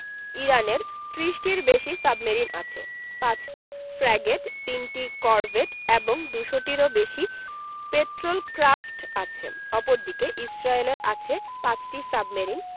ইরানের ৩০টির বেশি সাবমেরিন আছে ৫টি ফ্র্যাগেট ৩টি করভেট এবং ২০০ টিরও বেশি পেট্রল ক্র্যাফট আছে অপরদিকে ইসরায়েলের আছে ৫টি সাবমেরিন